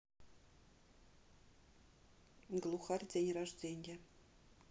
глухарь день рождения